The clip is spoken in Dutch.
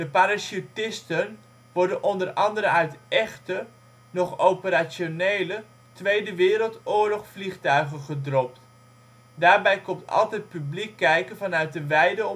parachutisten worden onder andere uit echte, nog operationele, Tweede Wereldoorlog-vliegtuigen gedropt. Daarbij komt altijd publiek kijken vanuit de wijde